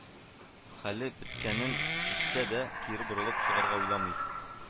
Хәле беткәнен сизсә дә, кире борылып чыгарга уйламый